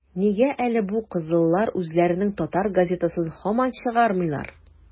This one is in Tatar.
- нигә әле бу кызыллар үзләренең татар газетасын һаман чыгармыйлар?